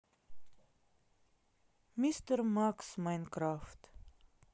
мистер макс майнкрафт